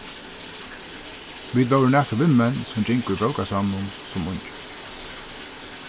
vit vóru nakrir vinmenn sum gingu í bókasavninum sum ungir